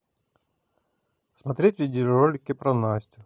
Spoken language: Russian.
смотреть видеоролики про настю